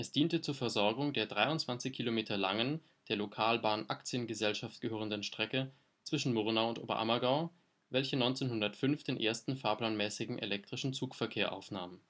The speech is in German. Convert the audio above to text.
diente zur Versorgung der 23 Kilometer langen, der Lokalbahn Aktien-Gesellschaft gehörenden Strecke zwischen Murnau und Oberammergau, welche 1905 den ersten fahrplanmäßigen elektrischen Zugverkehr aufnahm